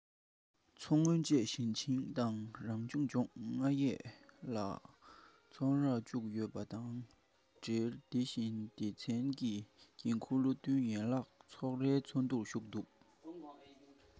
མཚོ སྔོན བཅས ཞིང ཆེན དང རང སྐྱོང ལྗོངས ལྔར ཡན ལག ཚོགས ར བཙུགས ཡོད པ དང འབྲེལ དེ བཞིན སྡེ ཚན གྱི འགན ཁུར བློ མཐུན ཡན ལག ཚོགས རའི ཚོགས འདུར ཞུགས ཡོད